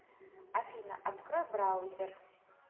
афина открой браузер